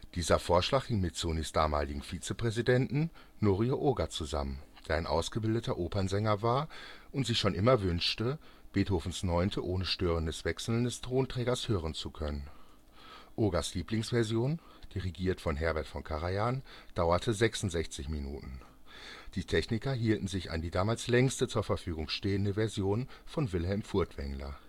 Dieser Vorschlag hing mit Sonys damaligem Vizepräsidenten, Norio Ohga zusammen, der ein ausgebildeter Opernsänger war und sich schon immer wünschte, Beethovens Neunte ohne störendes Wechseln des Tonträgers hören zu können. Ohgas Lieblingsversion, dirigiert von Herbert von Karajan, dauerte 66 Minuten, die Techniker hielten sich an die damals längste zur Verfügung stehende Version von Wilhelm Furtwängler